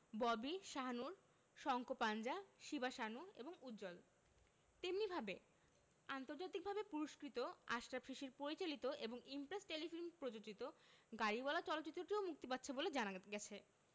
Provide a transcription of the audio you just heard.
ববি শাহনূর সঙ্কোপাঞ্জা শিবা সানু এবং উজ্জ্বল তেমনিভাবে আন্তর্জাতিকভাবে পুরস্কৃত আশরাফ শিশির পরিচালিত এবং ইমপ্রেস টেলিফিল্ম প্রযোজিত গাড়িওয়ালা চলচ্চিত্রটিও মুক্তি পাচ্ছে বলে জানা গেছে